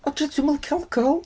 O, dwi'm yn licio alcohol!